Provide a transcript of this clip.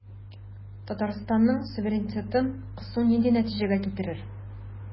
Татарстанның суверенитетын кысу нинди нәтиҗәгә китерер?